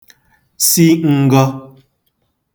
si ǹgọ